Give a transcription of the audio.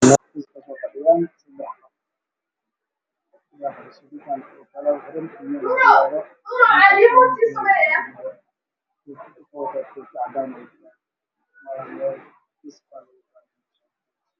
Shan waxaa yaalo mashaan waxaa fadhiya niman aada la saddex nin waxaa